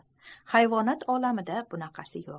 hayvonot olamida bunaqasi yo'q